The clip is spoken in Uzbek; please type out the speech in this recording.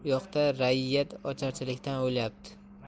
bu yoqda raiyyat ocharchilikdan o'lyapti